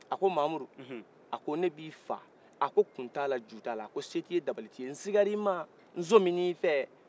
a ko mamudu a ko ne b'i faa kun tala ju tala se t'i ye dabali t'i ye n sigar'i ma nsɔmina i fɛ